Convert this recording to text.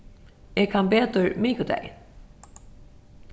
eg kann betur mikudagin